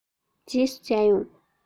རྗེས སུ མཇལ ཡོང